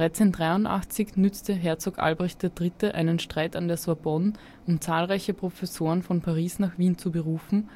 1383 nützte Herzog Albrecht III. einen Streit an der Sorbonne, um zahlreiche Professoren von Paris nach Wien zu berufen